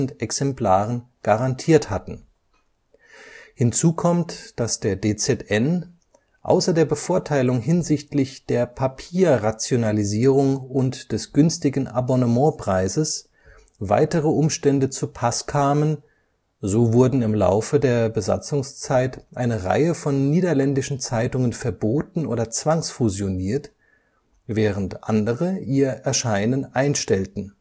Exemplaren garantiert hatten. Hinzu kommt, dass der DZN außer der Bevorteilung hinsichtlich der Papierrationalisierung und des günstigen Abonnementpreises weitere Umstände zupass kamen, so wurden im Laufe der Besatzungszeit eine Reihe von niederländischen Zeitungen verboten oder zwangsfusioniert, während andere ihr Erscheinen einstellten